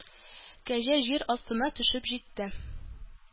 Кәҗә җир астына төшеп җитте